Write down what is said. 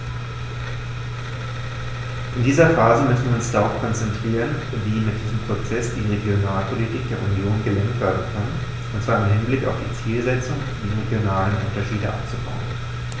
In dieser Phase müssen wir uns darauf konzentrieren, wie mit diesem Prozess die Regionalpolitik der Union gelenkt werden kann, und zwar im Hinblick auf die Zielsetzung, die regionalen Unterschiede abzubauen.